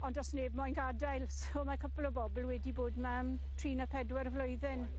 Ond do's neb moyn gadael so mae couple o bobol wedi bod 'ma am tri ne' pedwar flwyddyn.